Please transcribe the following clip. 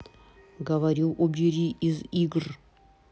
говорю убери из игр